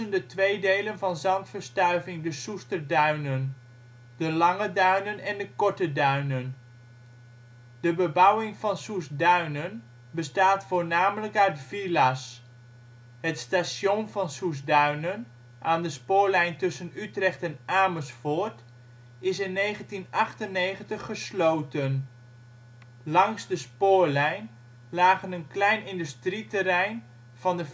de twee delen van zandverstuiving de Soester Duinen: de " Lange Duinen " en de " Korte Duinen ". De bebouwing van Soestduinen bestaat voornamelijk uit villa 's. Het station van Soestduinen - aan de spoorlijn tussen Utrecht en Amersfoort - is in 1998 gesloten. Langs de spoorlijn lagen een klein industrieterrein van de